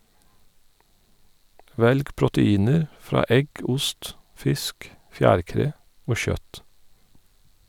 Velg proteiner fra egg, ost , fisk , fjærkre og kjøtt.